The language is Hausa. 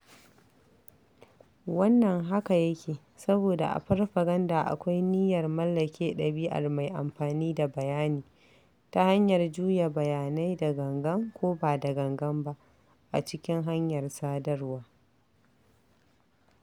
Wannan haka yake saboda a farfaganda akwai "niyyar mallake ɗabi'ar mai amfani da bayani" ta hanyar "juya bayanai da gangan ko ba da gangan ba a cikin hanyar sadarwa".